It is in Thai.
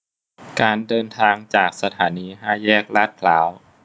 การเดินทางจากสถานีห้าแยกลาดพร้าว